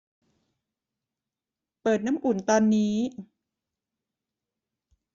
เปิดน้ำอุ่นตอนนี้